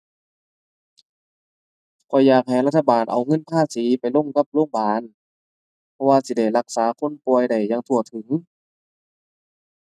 ข้อยอยากให้รัฐบาลเอาเงินภาษีไปลงกับโรงบาล เพราะว่าสิได้รักษาคนป่วยได้อย่างทั่วถึง